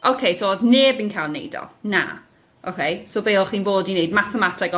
Ok, so, oedd neb yn cael wneud o, na, ocê, so be o'ch chi'n bod i wneud mathemateg,